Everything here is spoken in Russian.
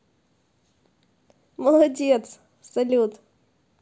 молодец салют